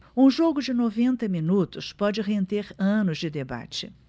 um jogo de noventa minutos pode render anos de debate